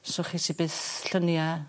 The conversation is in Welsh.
So ches i byth llynia